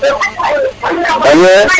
nam nu mbi u